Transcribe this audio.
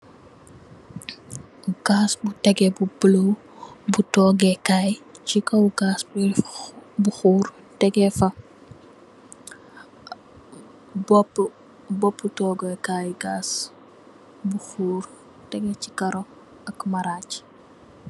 Gas bu tégé bu bulo bu togèkaay. Ci kaw gas bi, bu horr tégé fa. boppu toogèkaay gas bu horr tégé chi karo ak maraj.